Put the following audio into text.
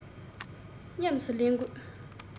ཉམས སུ ལེན དགོས